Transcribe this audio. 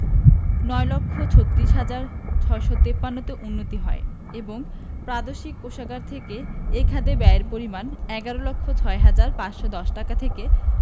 ৯ লক্ষ ৩৬ হাজার ৬৫৩ তে উন্নীত হয় এবং প্রাদেশিক কোষাগার থেকে এ খাতে ব্যয়ের পরিমাণ ১১ লক্ষ ৬ হাজার ৫১০ টাকা থেকে